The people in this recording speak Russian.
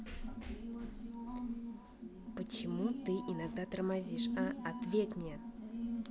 почему ты иногда тормозишь а ответь мне